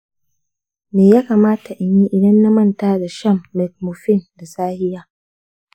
me ya kamata in yi idan na manta shan metformin da safiya?